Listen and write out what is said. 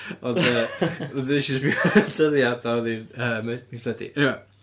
Ond yy... wedyn wnes i sbïo ar y dyddiad a oedd hi'n yy me- mis Medi... eniwe